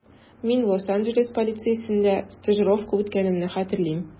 Мин Лос-Анджелес полициясендә стажировка үткәнемне хәтерлим.